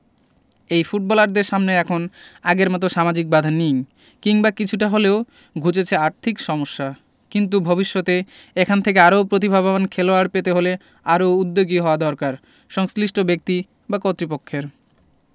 এই ফুটবলারদের সামনে এখন আগের মতো সামাজিক বাধা নেই কিংবা কিছুটা হলেও ঘুচেছে আর্থিক সমস্যা কিন্তু ভবিষ্যতে এখান থেকে আরও প্রতিভাবান খেলোয়াড় পেতে হলে আরও উদ্যোগী হওয়া দরকার সংশ্লিষ্ট ব্যক্তি বা কর্তৃপক্ষের